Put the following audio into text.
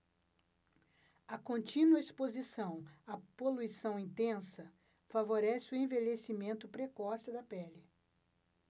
a contínua exposição à poluição intensa favorece o envelhecimento precoce da pele